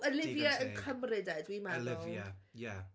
Olivia yn cymryd e, dwi'n meddwl... Olivia, ie.